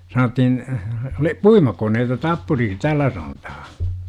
sanottiin oli puimakoneita tappuriksi täällä sanotaan